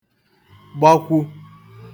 gbakwu